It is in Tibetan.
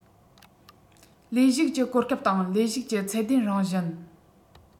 ལས ཞུགས ཀྱི གོ སྐབས དང ལས ཞུགས ཀྱི ཚད ལྡན རང བཞིན